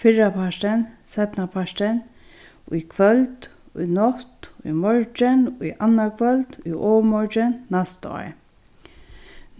fyrrapartin seinnapartin í kvøld í nátt í morgin í annaðkvøld í ovurmorgin næsta ár